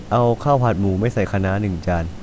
เอาข้าวผัดหมูไม่ใส่คะน้าหนึ่งจาน